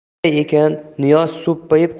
shunday ekan niyoz so'ppayib